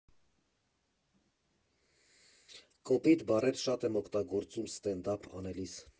Կոպիտ բառեր շատ եմ օգտագործում ստենդափ անելիս։